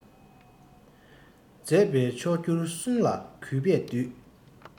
མཛད པའི མཆོག གྱུར གསུང ལ གུས པས འདུད